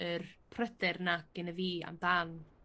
yr pryder 'na gennyf i amdan